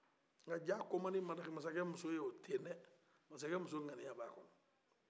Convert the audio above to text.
nka jaa a ko ma di masakɛmuso ye te dɛ masakɛmuso nganiya bɛ a kɔnɔ